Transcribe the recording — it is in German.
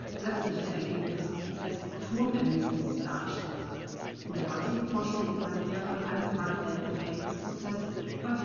plötzliche Erkenntnis („ Turmerlebnis “) dargestellt. In der heutigen Forschung geht man eher von einem graduellen Erkenntnisprozess von